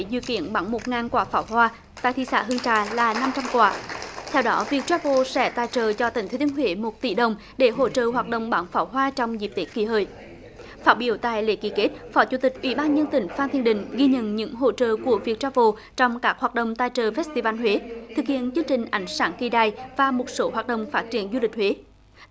như kiện bận một ngàn quả pháo hoa tại thị xã hương trà là năm trăm quả theo đó viet tra vờ sẽ tài trợ cho tỉnh thừa thiên huế một tỷ đồng để hỗ trợ hoạt động bắn pháo hoa trong dịp tết kỷ hợi phát biểu tại lễ ký kết phó chủ tịch ủy ban những tỉnh phan thiên định ghi nhận những hỗ trợ của vietravel trong các hoạt động tài trợ festival huế thực hiện chương trình ánh sáng kỳ đài và một số hoạt động phát triển du lịch huế